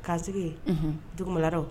Kansigi yen duguuladɔ